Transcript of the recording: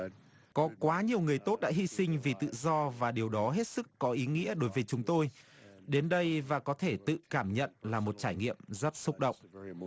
có quá nhiều người tốt đã hy sinh vì tự do và điều đó hết sức có ý nghĩa đối với chúng tôi đến đây và có thể tự cảm nhận là một trải nghiệm rất xúc động